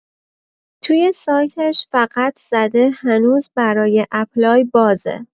توی سایتش فقط زده هنوز برای اپلای بازه